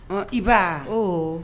Ɔ i ba h